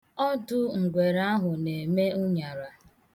Ọdụ ngwere ahụ na-eme ụṅara.